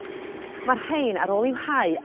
Ma' rhein ar ôl i'w hau